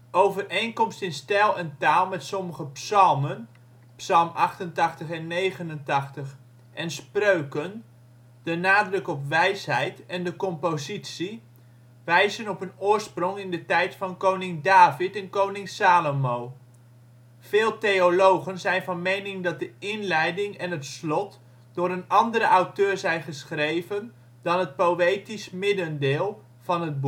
Overeenkomst in stijl en taal met sommige Psalmen (psalm 88 en 89) en Spreuken, de nadruk op ' wijsheid ', en de compositie, wijzen op een oorsprong in de tijd van koning David en koning Salomo. Veel theologen zijn van mening dat de inleiding en het slot door een andere auteur zijn geschreven dan het poëtische middendeel van het boek